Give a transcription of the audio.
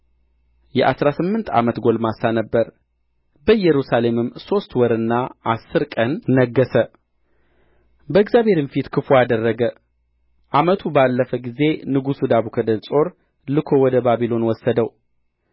የአሥራ ስምንት ዓመት ጕልማሳ ነበረ በኢየሩሳሌምም ሦስት ወርና አሥር ቀን ነገሠ በእግዚአብሔርም ፊት ክፉ አደረገ ዓመቱ ባለፈ ጊዜ ንጉሡ ናቡከደነፆር ልኮ ወደ ባቢሎን ወሰደው